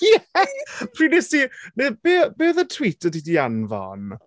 Ie! pryd wnest ti...? Neu be yy be oedd y tweet o't ti 'di anfon?